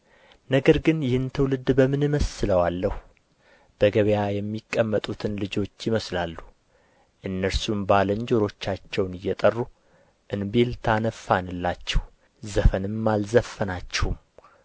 ነገር ግን ይህን ትውልድ በምን እመስለዋለሁ በገበያ የሚቀመጡትን ልጆች ይመስላሉ እነርሱም ባልንጀሮቻቸውን እየጠሩ እንቢልታ ነፋንላችሁ ዘፈንም አልዘፈናችሁም